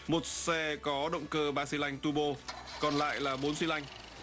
một xe có động cơ ba xy lanh tu bo còn lại là bốn xy lanh